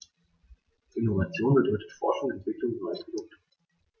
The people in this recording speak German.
Innovation bedeutet Forschung, Entwicklung und neue Produkte.